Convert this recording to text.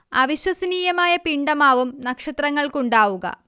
അവിശ്വസനീയമായ പിണ്ഡമാവും നക്ഷത്രങ്ങൾക്കുണ്ടാവുക